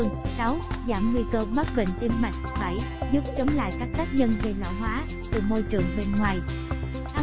giảm nguy cơ mắc bệnh tim mạch giúp chống lại các tác nhân gây lão hóa từ môi trường bên ngoài